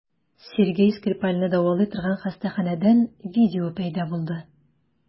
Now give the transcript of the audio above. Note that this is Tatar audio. Сергей Скрипальне дәвалый торган хастаханәдән видео пәйда булды.